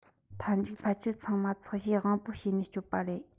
མཐར མཇུག ཕལ ཆེར ཚང མ འཚག བྱེད དབང པོ བྱས ནས སྤྱོད པ རེད